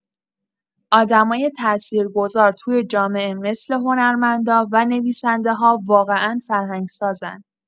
آدمای تاثیرگذار توی جامعه مثل هنرمندا و نویسنده‌‌ها واقعا فرهنگ‌سازن.